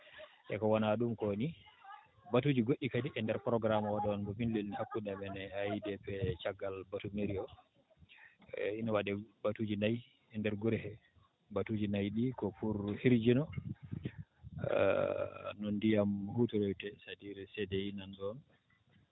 e ko wonaa ɗum ko nii battuuji goɗɗi kadi e ndeer programmme o ɗoon mbi min lelni hakkunde amen e AIDP caggal batu mairie o eeyi no waɗee batuuji nayi e ndeer gure hee batuuji nayi ɗii ko pour hirjino no ndiyam hutoroytee c' est à dire CDI nan ɗoon